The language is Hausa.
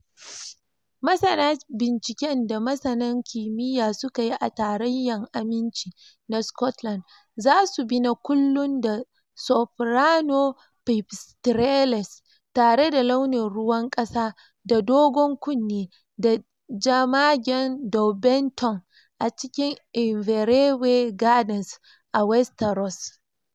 Masana binciken da masanan kimiyya suka yi a Tarrayan Aminci na Scotland za su bi na kullun da soprano pipistrelles tare da launin ruwan kasa da dogon-kunne da jamagen Daubenton a cikin Inverewe Gardens a Wester Ross.